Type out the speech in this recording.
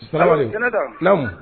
Baba naamu